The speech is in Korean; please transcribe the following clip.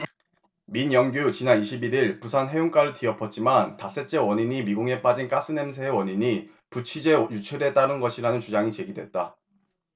민영규 지난 이십 일 일 부산 해안가를 뒤덮었지만 닷새째 원인이 미궁에 빠진 가스 냄새의 원인이 부취제 유출에 따른 것이라는 주장이 제기됐다